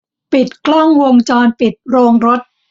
ปิดกล้องวงจรปิดโรงรถ